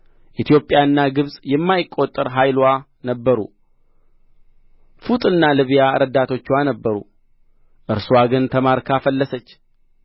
ኢትዮጵያና ግብጽ የማይቈጠር ኃይልዋ ነበሩ ፉጥና ልብያ ረዳቶችዋ ነበሩ እርስዋ ግን ተማርካ ፈለሰች